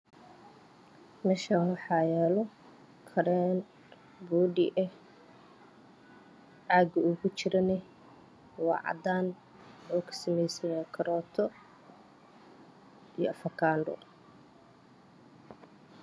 Meeshaan waxaa yaalo kareen boodi eh caaga uu ku jirana waa cadaan wuxu kasameysan yahay karooto iyo afakaadho